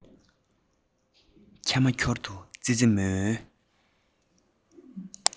ཁྱར མ ཁྱོར དུ ཙི ཙི མོའི